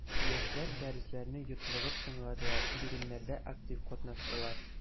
Яшьләр дәресләрне йотлыгып тыңладылар, биремнәрдә актив катнаштылар.